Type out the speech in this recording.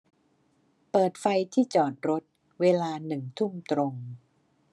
เปิดไฟที่จอดรถเวลาหนึ่งทุ่มตรง